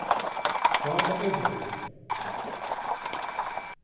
dáma og deil